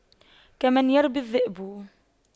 كمن يربي الذئب